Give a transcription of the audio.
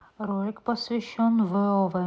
ролик посвященный вов